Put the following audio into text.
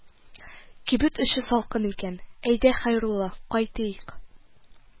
Кибет эче салкын икән, әйдә, Хәйрулла, кайтыйк,